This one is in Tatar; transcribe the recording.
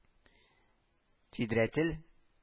— сидрәтел